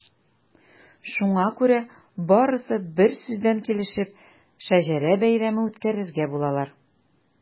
Шуңа күрә барысы берсүздән килешеп “Шәҗәрә бәйрәме” үткәрергә булалар.